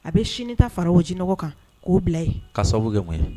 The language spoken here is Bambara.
A bɛ sini ta fara jiɔgɔ kan k'o bila ka sababu gɛn